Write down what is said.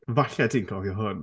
Falle ti'n cofio hwn.